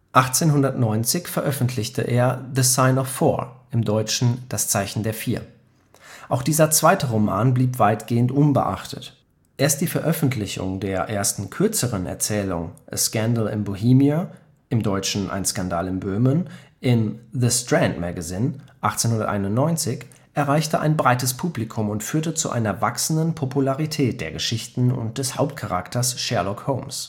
1890 veröffentlichte er The Sign of Four (dt.: Das Zeichen der Vier). Auch dieser zweite Roman blieb weitgehend unbeachtet. Erst die Veröffentlichung der ersten kürzeren Erzählung A Scandal in Bohemia (dt.: Ein Skandal in Böhmen) im The Strand Magazine 1891 erreichte ein breites Publikum und führte zu einer wachsenden Popularität der Geschichten und des Hauptcharakters Sherlock Holmes